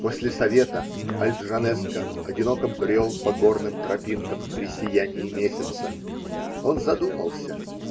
После совета Аль-Джанеско одиноко брел по горным тропинкам при сиянии месяца. Он задумался